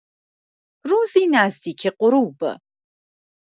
روزی نزدیک غروب